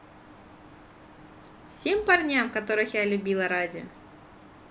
всем парням которых я любила ради